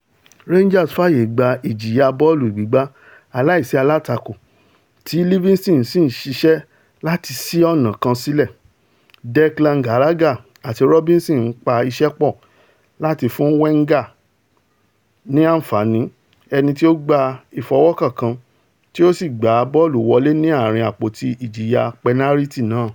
Rangers fáàyè gba ìjìya bọ́ọ̀lù gbígbá aláìsí-àtakò tí Livinston sì ṣiṣẹ́ láti sí ọ̀nà kan sílẹ̀, Declan Gallagher àti Robinson ńpá iṣẹ́ pọ̀ láti fún Menga ni àǹfààní, ẹnití ó gba ìfọwọ́kàn kàn tí ó sì gbá bọ́ọ̀lù wọlé ní ààrin àpótí ìjìya pẹnariti náà.